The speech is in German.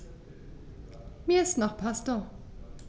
Mir ist nach Pasta.